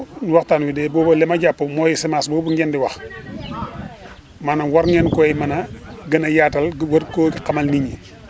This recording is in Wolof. waaw waxtaan wi de booba li ma jàpp mooy semence boobu ngeen di wax maanaam war ngeen koy mën a gën a yaatal war koo xamal nit ñi